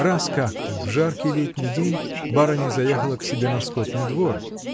Раз как-то, в жаркий летний день, барыня заехала к себе на скотный двор.